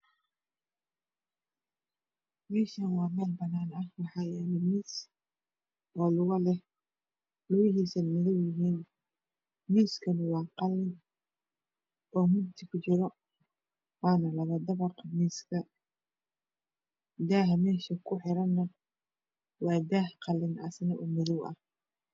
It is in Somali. Halkan waa mel banan ah wax yalo mis kalar kisi waa qalin waxow leyahay lugo